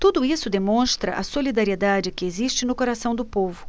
tudo isso demonstra a solidariedade que existe no coração do povo